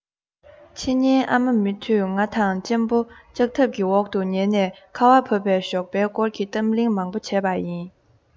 ཕྱི ཉིན ཨ མ མེད དུས ང དང གཅེན པོ ལྕགས ཐབ ཀྱི འོག ཏུ ཉལ ནས ཁ བ བབས པའི ཞོགས པའི སྐོར གྱི གཏམ གླེང མང པོ བྱས པ ཡིན